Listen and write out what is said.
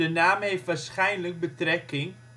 naam heeft waarschijnlijk betrekking